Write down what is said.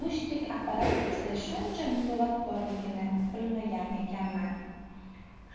mushtdek apparat ichida shuncha murvat borligini bilmagan ekanman